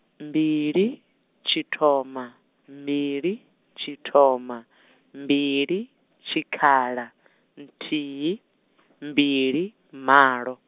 mbili, tshithoma, mbili, tshithoma, mbili, tshikhala, nthihi, mbili, malo.